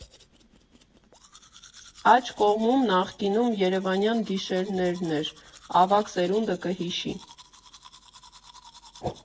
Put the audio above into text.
Աջ կողմում նախկինում «Երևանյան գիշերներն» էր, ավագ սերունդը կհիշի։